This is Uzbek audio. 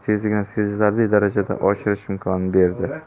tezligini sezilarli darajada oshirish imkonini berdi